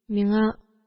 Миңа